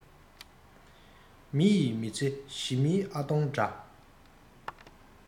མི ཡིས མི ཚེ ཞི མིའི ཨ སྟོང འདྲ